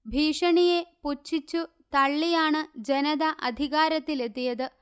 ഭീഷണിയെ പുച്ഛിച്ചു തള്ളിയാണ് ജനത അധികാരത്തിലെത്തിയത്